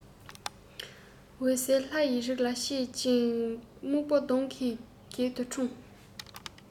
འོད གསལ ལྷ ཡི རིགས ལས མཆེད ཅིང སྨུག པོ གདོང གི རྒྱུད དུ འཁྲུངས